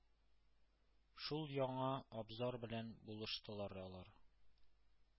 Шул яңа абзар белән булыштылар алар.